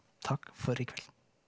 takk for i kveld.